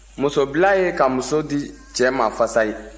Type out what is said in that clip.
musobila ye ka muso di cɛ ma fasayi